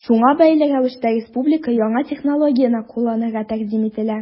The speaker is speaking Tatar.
Шуңа бәйле рәвештә республикада яңа технологияне кулланырга тәкъдим ителә.